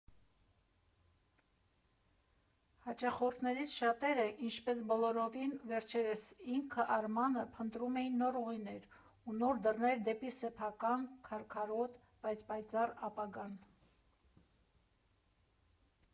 Հաճախորդներից շատերը, ինչպես բոլորովին վերջերս ինքը՝ Արմանը, փնտրում էին նոր ուղիներ ու նոր դռներ դեպի սեփական, քարքարոտ, բայց պայծառ ապագան։